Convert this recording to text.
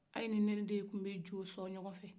aw ni ne de kun bɛ jo sɔn ɲɔgɔfɛ